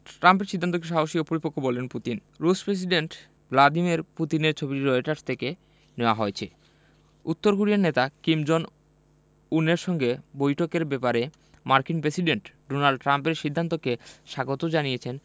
ট্রাম্পের সিদ্ধান্তকে সাহসী ও পরিপক্ব বললেন পুতিন রুশ প্রেসিডেন্ট ভালদিমির পুতিনের ছবিটি রয়টার্স থেকে নেয়া হয়েছে উত্তর কোরীয় নেতা কিম জং উনের সঙ্গে বৈঠকের ব্যাপারে মার্কিন প্রেসিডেন্ট ডোনাল্ড ট্রাম্পের সিদ্ধান্তকে স্বাগত জানিয়েছেন